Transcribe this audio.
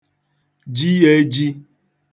ji (ējī)